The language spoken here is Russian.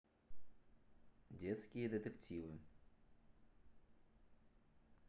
датские детективы